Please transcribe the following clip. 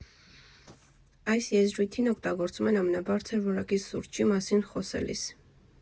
Այս եզրույթն օգտագործում են ամենաբարձր որակի սուրճի մասին խոսելիս։